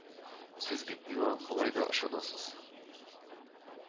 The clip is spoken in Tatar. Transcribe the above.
Сез бит миңа болай да ышанасыз